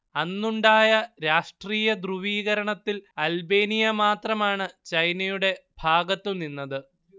അന്നുണ്ടായ രാഷ്ട്രീയ ധ്രുവീകരണത്തിൽ അൽബേനിയ മാത്രമാണ് ചൈനയുടെ ഭാഗത്തു നിന്നത്